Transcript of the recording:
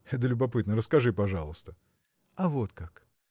это любопытно: расскажи, пожалуйста. – А вот как.